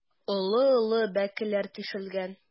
Олы-олы бәкеләр тишелгән.